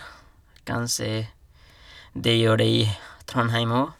Kanskje det gjør det i Trondheim òg.